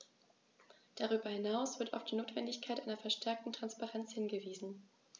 Darüber hinaus wird auf die Notwendigkeit einer verstärkten Transparenz hingewiesen.